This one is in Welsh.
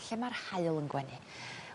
...lle ma'r haul yn gwenu.